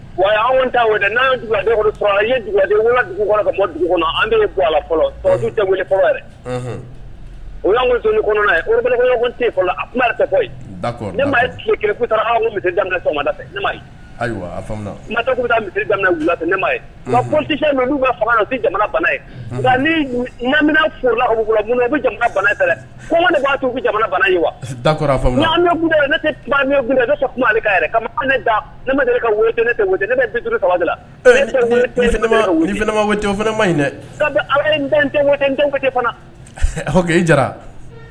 Wa n' dugu ka dugu kɔnɔ an o ayiwa misi neu ye ni furula bɛ jamana ye ne tɛ k' jara